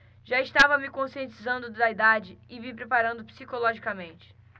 já estava me conscientizando da idade e me preparando psicologicamente